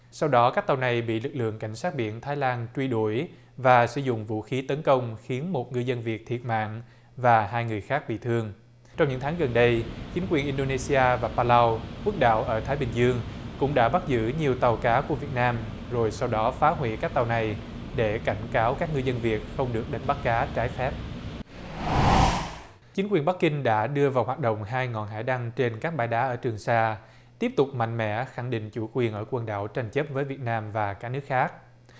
sau đó các tàu này bị lực lượng cảnh sát biển thái lan truy đuổi và sử dụng vũ khí tấn công khiến một ngư dân việt thiệt mạng và hai người khác bị thương trong những tháng gần đây chính quyền in đô nê zi a và pa lau quốc đảo ở thái bình dương cũng đã bắt giữ nhiều tàu cá của việt nam rồi sau đó phá hủy các tàu này để cảnh cáo các ngư dân việt không được đánh bắt cá trái phép chính quyền bắc kinh đã đưa vào hoạt động hai ngọn hải đăng trên các bãi đá ở trường sa tiếp tục mạnh mẽ khẳng định chủ quyền ở quần đảo tranh chấp với việt nam và các nước khác